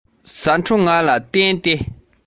ཞེས གླུ འདི འདྲ ཞིག རང དབང